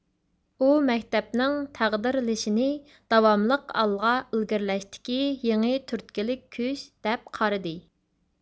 ئۇ مەكتەپنىڭ تەقدىرلىشىنى داۋاملىق ئالغا ئىلگىرىلەشتىكى يېڭى تۈرتكىلىك كۈچ دەپ قارىدى